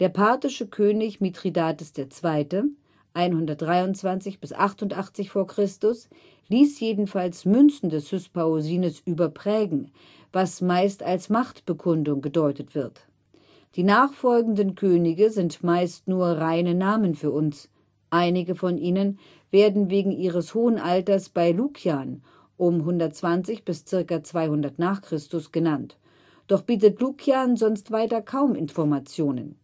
parthische König Mithridates II. (123 bis 88 v. Chr.) ließ jedenfalls Münzen des Hyspaosines überprägen, was meist als Machtbekundung gedeutet wird. Die nachfolgenden Könige sind meist nur reine Namen für uns. Einige von ihnen werden wegen ihres hohen Alters bei Lukian (um 120 bis ca. 200 n. Chr.) genannt, doch bietet Lukian sonst weiter kaum Informationen